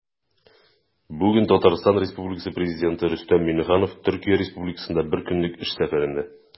Бүген Татарстан Республикасы Президенты Рөстәм Миңнеханов Төркия Республикасында бер көнлек эш сәфәрендә.